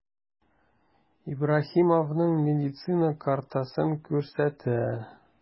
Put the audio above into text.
Ибраһимовның медицина картасын күрсәтә.